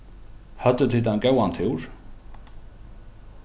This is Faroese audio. høvdu tit ein góðan túr